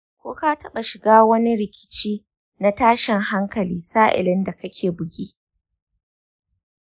ko ka taɓa shiga cikin wani rikici na tashin hankali sa'ilin da kake buge?